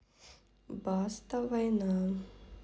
баста война